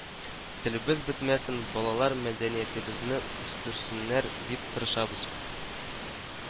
Телебез бетмәсен, балалар мәдәниятебезне үстерсеннәр дип тырышабыз